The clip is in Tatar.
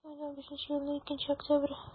2015 елның 2 октябре